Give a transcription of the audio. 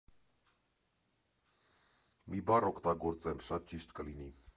Մի բառ օգտագործեմ շատ ճիշտ կլինի։